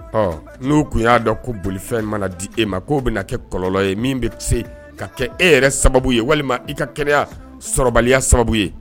Ɔ n'u tun y'a dɔn ko bolifɛn in mana na di e ma k'o bɛna na kɛ kɔlɔnlɔ ye min bɛ se ka kɛ e yɛrɛ sababu ye walima i ka kɛnɛyayasɔrɔbaliya sababu ye